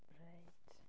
Reit.